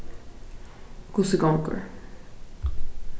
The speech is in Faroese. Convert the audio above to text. hvussu gongur